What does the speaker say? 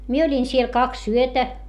minä olin siellä kaksi yötä